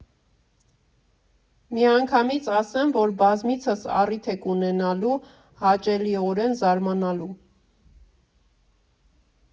Միանգամից ասեմ, որ բազմիցս առիթ եք ունենալու հաճելիորեն զարմանալու։